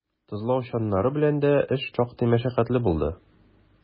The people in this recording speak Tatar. Тозлау чаннары белән дә эш шактый мәшәкатьле булды.